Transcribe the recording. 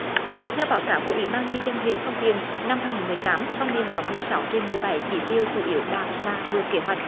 theo báo cáo của ủy ban nhân dân huyện phong điền năm hai nghìn mười tám phong điền có mười sáu trên mười bảy chỉ tiêu chủ yếu đạt và vượt kế hoạch